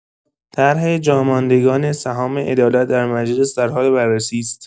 طرح جاماندگان سهام عدالت در مجلس در حال بررسی است.